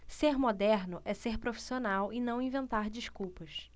ser moderno é ser profissional e não inventar desculpas